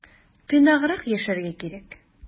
Тыйнаграк яшәргә кирәк.